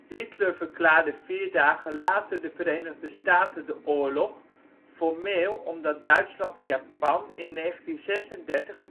Hitler verklaarde vier dagen later de Verenigde Staten de oorlog, formeel omdat Duitsland en Japan in 1936 het Anti-Kominternpact